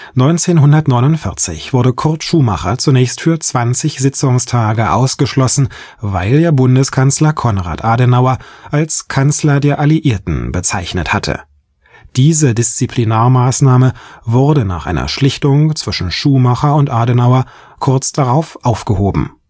1949 wurde Kurt Schumacher zunächst für zwanzig Sitzungstage ausgeschlossen, weil er Bundeskanzler Konrad Adenauer als „ Kanzler der Alliierten “bezeichnet hatte. Diese Disziplinarmaßnahme wurde nach einer Schlichtung zwischen Schumacher und Adenauer kurz darauf aufgehoben